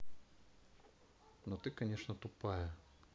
но ты конечно тупая